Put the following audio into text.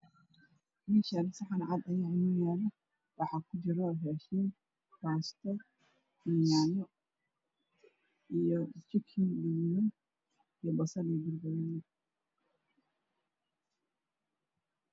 Meeshaan saxan cad ayaa noo yaala waxaa kujiro raashin ah baasto iyo yaanyo, jikin, basal iyo banbanooni.